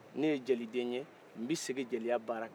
ne ye jeli den ye n bɛ segin jiya baara kan